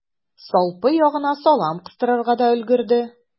Салпы ягына салам кыстырырга да өлгерде.